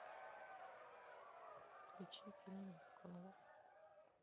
включи фильм конга